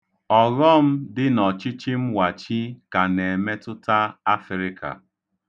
Ọghọm dị n'ọchịchịmwachi ka na-emetụta Afịrịka.